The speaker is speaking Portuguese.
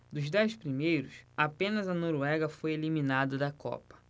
dos dez primeiros apenas a noruega foi eliminada da copa